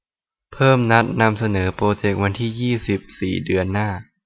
เพิ่มนัดนำเสนอโปรเจควันที่ยี่สิบสี่เดือนหน้า